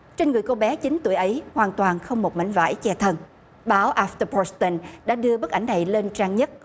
trên người cô bé chín tuổi ấy hoàn toàn không một mảnh vải che thân báo a te phô tơn đã đưa bức ảnh này lên trang nhất